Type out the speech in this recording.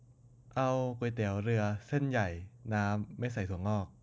เอาก๋วยเตี๋ยวเรือเส้นใหญ่น้ำไม่ใส่ถั่วงอก